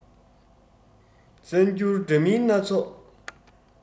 གསར འགྱུར འདྲ མིན སྣ ཚོགས